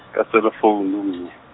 ka selefounu mme.